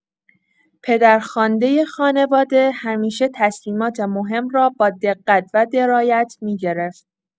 پدرخواندۀ خانواده همیشه تصمیمات مهم را با دقت و درایت می‌گرفت.